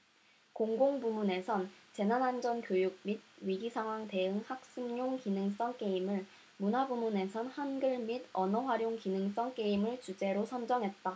공공 부문에선 재난안전교육 및 위기상황 대응 학습용 기능성 게임을 문화 부문에선 한글 및 언어활용 기능성 게임을 주제로 선정했다